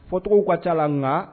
Fɔtɔgɔ ka caa la, nka